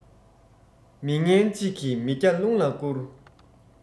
མི ངན གཅིག གིས མི བརྒྱ རླུང ལ བསྐུར